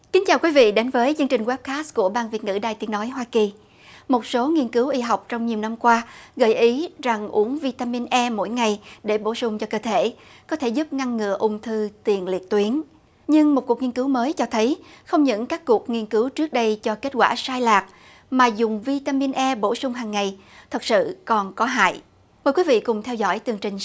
kính chào quý vị đến với chương trình qép cát của bang việt ngữ đài tiếng nói hoa kỳ một số nghiên cứu y học trong nhiều năm qua gợi ý rằng uống vi ta min e mỗi ngày để bổ sung cho cơ thể có thể giúp ngăn ngừa ung thư tiền liệt tuyến nhưng một cuộc nghiên cứu mới cho thấy không những các cuộc nghiên cứu trước đây cho kết quả sai lạc mà dùng vi ta min e bổ sung hằng ngày thực sự còn có hại với quý vị cùng theo dõi tường trình